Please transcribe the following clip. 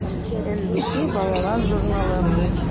“әллүки” балалар журналы.